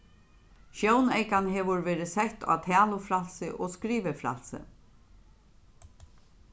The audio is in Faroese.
sjóneykan hevur verið sett á talufrælsi og skrivifrælsi